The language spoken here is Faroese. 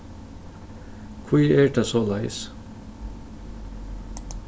hví er tað soleiðis